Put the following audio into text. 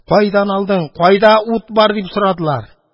Кайдан алдың, кайда ут бар? – дип сорадылар.